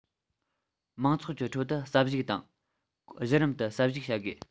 མང ཚོགས ཀྱི ཁྲོད དུ ཟབ ཞུགས དང གཞི རིམ དུ ཟབ ཞུགས བྱ དགོས